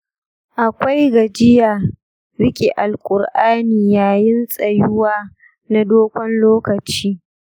akwai gajiya riƙe alƙur'ani yayin tsayuwa na dogon lokaci.